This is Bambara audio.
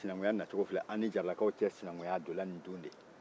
sinankunya nacogo filɛ an ni jaralakaw cɛ a donna ni don de